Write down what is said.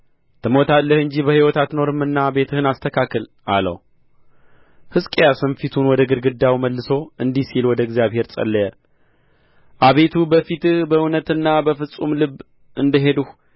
ትሞታለህ እንጂ በሕይወት አትኖርምና ቤትህን አስተካክል አለው ሕዝቅያስም ፊቱን ወደ ግድግዳው መልሶ እንዲህ ሲል ወደ እግዚአብሔር ጸለየ አቤቱ በፊትህ በእውነትና በፍጹም ልብ እንደ ሄድሁ